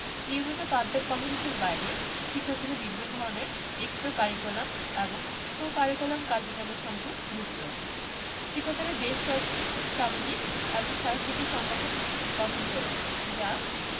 নিয়মিত পাঠদান কর্মসূচির বাইরে শিক্ষার্থীরা বিভিন্ন ধরনের এক্সটা কারিকুলাম এবং কো কারিকুলাম কার্যক্রমের সঙ্গে যুক্ত শিক্ষার্থীরা বেশ কয়েকটি সামাজিক এবং সাংস্কৃতিক সংগঠন গঠন করেছে যা